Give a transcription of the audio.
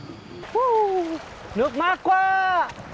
hú nước mát quá